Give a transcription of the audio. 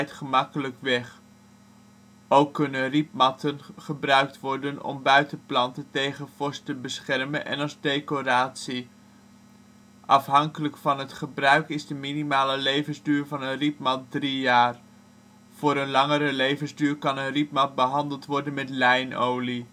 gemakkelijk weg. Ook kunnen rietmatten gebruikt worden om buitenplanten tegen vorst te beschermen en als decoratie. Afhankelijk van het gebruik is de minimale levensduur van een rietmat drie jaar. Voor een langere levensduur kan een rietmat behandeld worden met lijnolie